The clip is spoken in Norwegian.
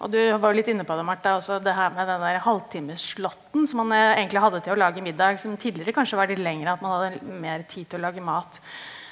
og du var jo litt inne på det Marta, altså det her med den derre halvtimes som man egentlig hadde til å lage middag som tidligere kanskje var litt lengre at man hadde mer tid til å lage mat.